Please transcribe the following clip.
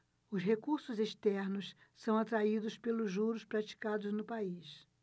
os recursos externos são atraídos pelos juros praticados no país